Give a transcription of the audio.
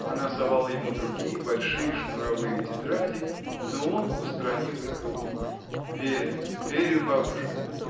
Она совала ему другие большие шнуровые тетради, но он устранил их рукой. — Верю, верю, бабушка!